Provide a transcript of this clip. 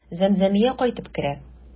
Зәмзәмия кайтып керә.